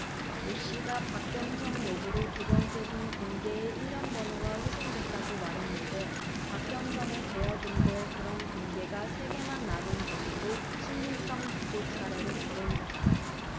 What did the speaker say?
오씨가 박 경정 요구로 두번째 준 금괴의 일련번호가 훼손됐다고 말했는데 박 경정의 대여금고에 그런 금괴가 세 개만 남은 점도 신빙성 부족 사례로 거론했다